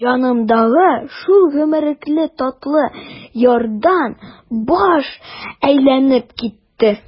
Җанымдагы шул гомерлек татлы ярадан баш әйләнеп китте.